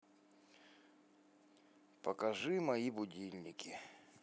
покажи мои будильники